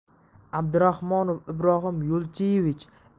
abdurahmonov ibrohim yo'lchiyevich